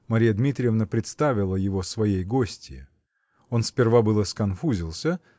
Марья Дмитриевна представила его своей гостье. Он сперва было сконфузился